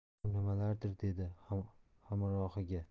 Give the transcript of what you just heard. u nimalardir dedi hamrohiga